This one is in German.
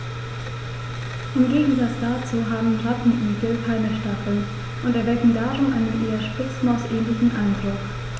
Im Gegensatz dazu haben Rattenigel keine Stacheln und erwecken darum einen eher Spitzmaus-ähnlichen Eindruck.